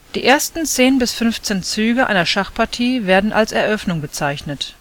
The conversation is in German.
Die ersten 10 bis 15 Züge einer Schachpartie werden als Eröffnung bezeichnet